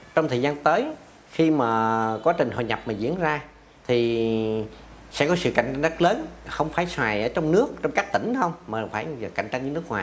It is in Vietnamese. trong thời gian tới khi mà à quá trình hội nhập mà diễn ra thì ì ì sẽ có sự cạnh tranh rất lớn không khoái xoài ở trong nước trong các tỉnh không mà phải cạnh tranh với nước ngoài